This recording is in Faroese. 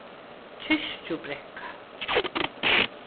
kirkjubrekka